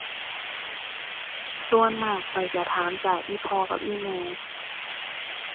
ส่วนมากข้อยจะถามจากอีพ่อกับอีแม่